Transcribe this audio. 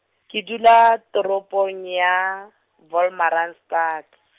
ke dula toropong ya, Wolmaransstad.